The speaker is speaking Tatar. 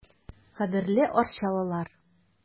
Кадерле арчалылар!